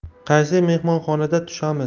qaysi mehmonxonada tushamiz